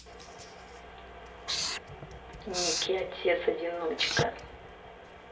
nicki отец одиночка